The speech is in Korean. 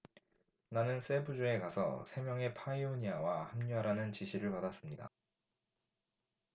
나는 세부 주에 가서 세 명의 파이오니아와 합류하라는 지시를 받았습니다